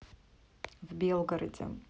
в белгороде